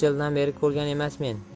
jildan beri ko'rgan emasmen